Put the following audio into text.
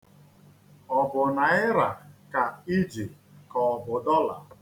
Ọ bụ naịra ka i ji ka ọ bụ dọla?